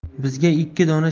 bizga ikki dona